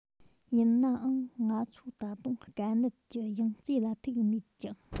ཡིན ནའང ང ཚོ ད དུང དཀའ གནད ཀྱི ཡང རྩེ ལ ཐུག མེད ཅིང